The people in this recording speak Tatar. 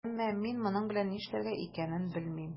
Әмма мин моның белән нишләргә икәнен белмим.